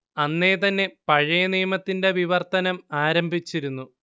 അന്നേ തന്നെ പഴയ നിയമത്തിന്റെ വിവർത്തനം ആരംഭിച്ചിരുന്നു